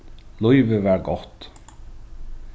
lívið var gott